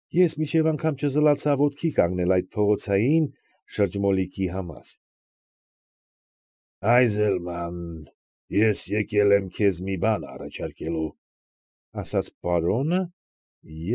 Ես մինչև անգամ չզլացա ոտքի կանգնել այդ փողոցային շրջմոլիկի համար։ ֊ Այզելման, ես եկել են քեզ մի բան առաջարկելու,֊ ասաց պարոնը և։